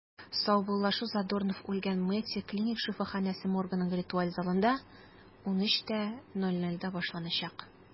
Саубуллашу Задорнов үлгән “МЕДСИ” клиник шифаханәсе моргының ритуаль залында 13:00 (мск) башланачак.